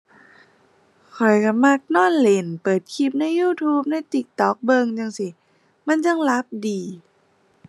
ข้อยก็มักนอนเล่น เปิดคลิปใน YouTube ใน TikTok เบิ่งจั่งซี้ มันจั่งหลับดี